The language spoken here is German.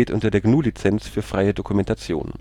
unter der GNU Lizenz für freie Dokumentation